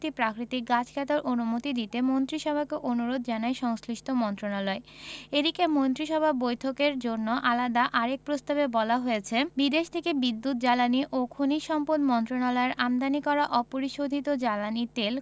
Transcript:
টি প্রাকৃতিক গাছ কাটার অনুমতি দিতে মন্ত্রিসভাকে অনুরোধ জানায় সংশ্লিষ্ট মন্ত্রণালয় এদিকে মন্ত্রিসভা বৈঠকের জন্য আলাদা আরেক প্রস্তাবে বলা হয়েছে বিদেশ থেকে বিদ্যুৎ জ্বালানি ও খনিজ সম্পদ মন্ত্রণালয়ের আমদানি করা অপরিশোধিত জ্বালানি তেল